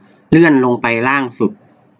เลื่อนลงไปล่างสุด